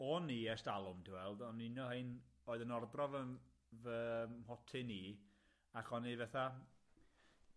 O'n i ers dalwm, di weld, o'n i'n un o rhein oedd yn ordro fy m- fy mhoty'n i, ac o'n i fatha